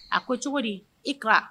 A ko cogo di i ka